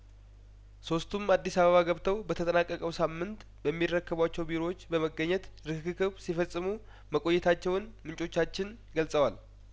ሶስቱም አዲስ አበባ ገብተው በተጠናቀቀው ሳምንት በሚረከቧቸው ቢሮዎች በመገኘት ርክክብ ሲፈጽሙ መቆየታቸውን ምንጮቻችን ገልጸዋል